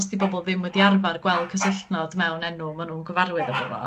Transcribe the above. os 'di bobol ddim wedi arfar gweld cysylltnod mewn enw ma' nw'n gyfarwydd efo fo